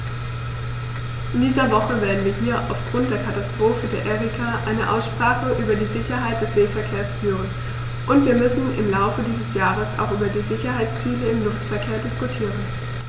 In dieser Woche werden wir hier aufgrund der Katastrophe der Erika eine Aussprache über die Sicherheit des Seeverkehrs führen, und wir müssen im Laufe dieses Jahres auch über die Sicherheitsziele im Luftverkehr diskutieren.